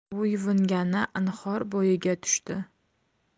u yuvingani anhor bo'yiga tushdi